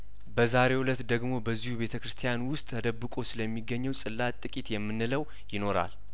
በዛሬው እለት ደግሞ በዚሁ ቤተ ክርስቲያን ውስጥ ተደብቆ ስለሚገኘው ጽላት ጥቂት የምንለው ይኖራል